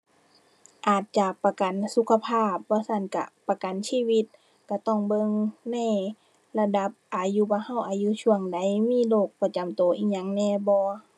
อาจจะประกันสุขภาพ บ่ซั้นก็ประกันชีวิต ก็ต้องเบิ่งในระดับอายุว่าก็อายุช่วงใด มีโรคประจำก็อิหยังแหน่บ่